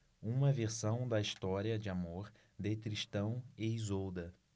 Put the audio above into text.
uma versão da história de amor de tristão e isolda